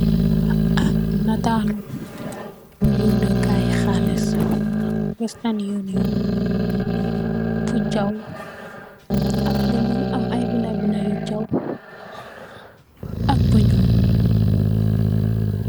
Ab nataalu yon neh kaye halis, western union. Ku jaw ak bu ñuul am ay binda, binda yu jaw ak bu ñuul.